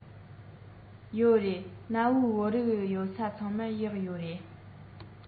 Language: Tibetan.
ཡོད རེད གནའ བོའི བོད རིགས ཡོད ས ཚང མར གཡག ཡོད རེད